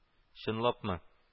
— чынлапмы